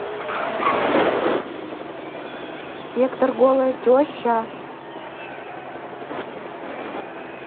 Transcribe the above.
сектор голая теща